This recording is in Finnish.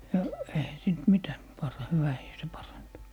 ja eihän siitä mitä - hyvähinen se parantui